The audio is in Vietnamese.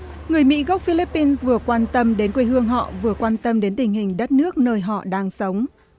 người mỹ gốc phi líp pin vừa quan tâm đến quê hương họ vừa quan tâm đến tình hình đất nước nơi họ đang sống